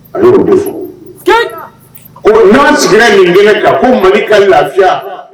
A' sigira nin minɛ ka ko mali ka lafiya